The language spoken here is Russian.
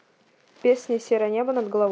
песня серое небо над головой